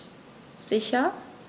Sicher.